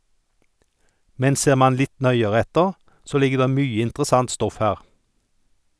Men ser man litt nøyere etter, så ligger det mye interessant stoff her.